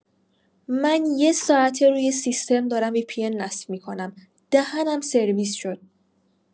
من یه ساعته روی سیستم دارم وی‌پی‌ان نصب می‌کنم دهنم سرویس شد.